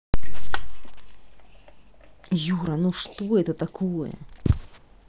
юра ну что это такое